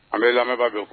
An be lamɛbaa bɛ fo